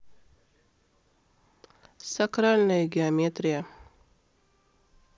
сакральная геометрия